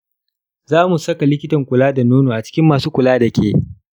zamu saka likitan kula da nono a cikin masu kula da dake.